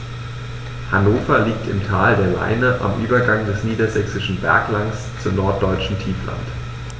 Hannover liegt im Tal der Leine am Übergang des Niedersächsischen Berglands zum Norddeutschen Tiefland.